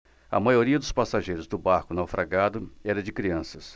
a maioria dos passageiros do barco naufragado era de crianças